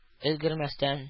Өлгермәстән